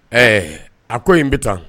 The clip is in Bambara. Ɛɛ a ko in n bɛ taa